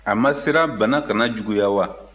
a ma siran bana kana juguya wa